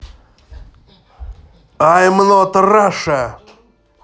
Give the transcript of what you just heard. i'm not russia